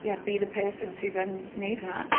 ie, be the person sydd yn neud hwnna.